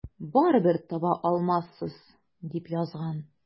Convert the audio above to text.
Барыбер таба алмассыз, дип язган.